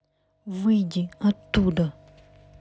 выйди оттуда